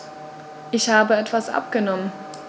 Ich habe etwas abgenommen.